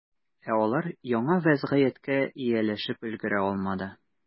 Ә алар яңа вәзгыятькә ияләшеп өлгерә алмады.